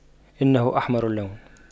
إنه أحمر اللون